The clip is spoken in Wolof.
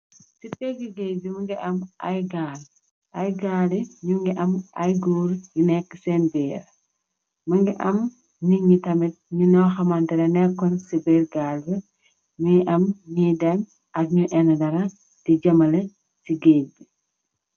ci pégg-géey mungi am ay gaale yi ñu ngi am ay gor yi nekk seen béera më ngi am ni ngi tamit ñu naw xamantéla nekkoon ci bér gaali miy am niy dem ak ñuy in dara di jëmala ci géej bi.